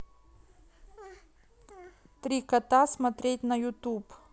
три кота смотреть на ютуб